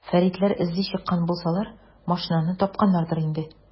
Фәритләр эзли чыккан булсалар, машинаны тапканнардыр инде.